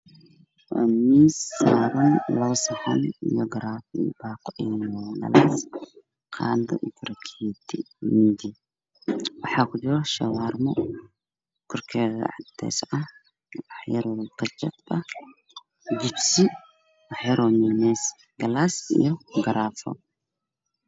Waa miis waxaa saaran labo saxan iyo garaafo, qaado iyo fargeento, mindi. Waxaa kujiro shawaarmo korkeeda cadeys ah, wax jaro kajab ah iyo jibsi, miyuneys, galaas iyo garaafo.